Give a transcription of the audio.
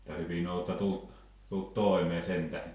että hyvin olette tullut tullut toimeen sen tähden